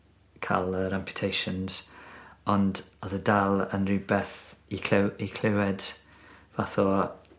ca'l yr amputations ond odd e dal yn rywbeth i clyw- i clywed fath o